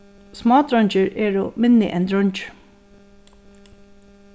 smádreingir eru minni enn dreingir